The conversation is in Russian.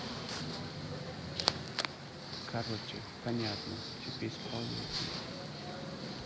короче понятно ты бесполезная